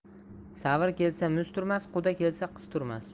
savr kelsa muz turmas quda kelsa qiz turmas